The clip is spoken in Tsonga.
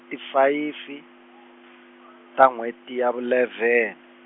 ti faye fi , ta nwheti ya vule vhen-.